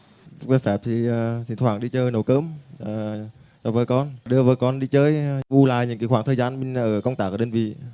về phép thì thi thoảng đi chợ nấu cơm à cho vợ con đưa vợ con đi chơi bù lại những cái khoảng thời gian mình ở công tác ở đơn vị